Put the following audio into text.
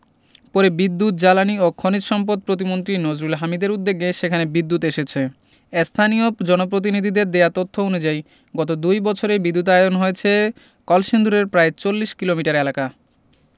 পরে বিদ্যুৎ জ্বালানি ও খনিজ সম্পদ প্রতিমন্ত্রী নজরুল হামিদদের উদ্যেগে সেখানে বিদ্যুৎ এসেছে স্থানীয় জনপ্রতিনিধিদের দেওয়া তথ্য অনুযায়ী গত দুই বছরে বিদ্যুতায়ন হয়েছে কলসিন্দুরের প্রায় ৪০ কিলোমিটার এলাকা